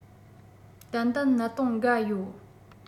ཏན ཏན གནད དོན འགའ ཡོད